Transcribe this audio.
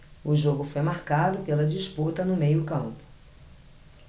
o jogo foi marcado pela disputa no meio campo